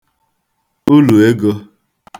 ulù egō